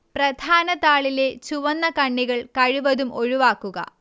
പ്രധാനതാളിലെ ചുവന്നകണ്ണികൾ കഴിവതും ഒഴിവാക്കുക